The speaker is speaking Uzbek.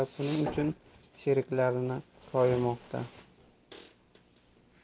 yiqitdi va buning uchun sheriklarini koyimoqda